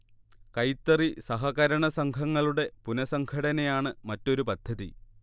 കൈത്തറി സഹകരണ സംഘങ്ങളുടെ പുനഃസംഘടനയാണ് മറ്റൊരു പദ്ധതി